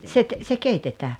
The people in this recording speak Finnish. se - se keitetään